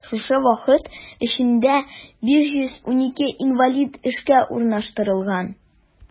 Шушы вакыт эчендә 512 инвалид эшкә урнаштырылган.